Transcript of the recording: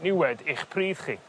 niwed i'ch pridd chi